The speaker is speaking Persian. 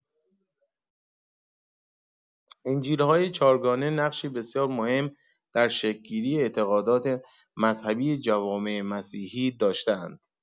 انجیل‌های چهارگانه نقشی بسیار مهم در شکل‌گیری اعتقادات مذهبی جوامع مسیحی داشته‌اند.